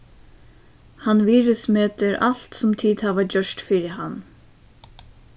hann virðismetir alt sum tit hava gjørt fyri hann